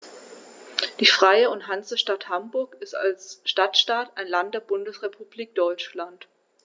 Die Freie und Hansestadt Hamburg ist als Stadtstaat ein Land der Bundesrepublik Deutschland.